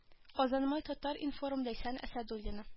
Казан май татар-информ ләйсән әсәдуллина